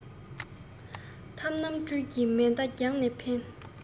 ཐབས རྣམས འཕྲུལ གྱི མེ མདའ རྒྱང ནས འཕེན